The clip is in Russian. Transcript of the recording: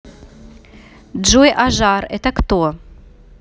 джой ажар это кто